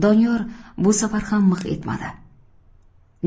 doniyor bu safar ham miq etmadi